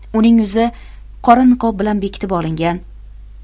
uning yuzi qora niqob bilan bekitib olingan